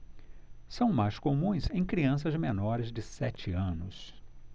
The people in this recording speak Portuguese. são mais comuns em crianças menores de sete anos